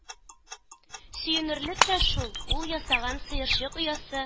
Сөенерлек тә шул: ул ясаган сыерчык оясы